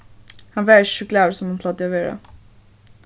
hann var ikki so glaður sum hann plagdi at vera